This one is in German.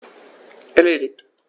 Erledigt.